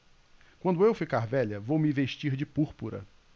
quando eu ficar velha vou me vestir de púrpura